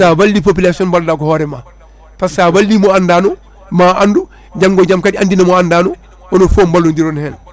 sa walli population mballuɗa ko hoorema par ce que sa walli mo andano ma andu janggo e jaam kadi andina mo andano onoon foo mballodiron hen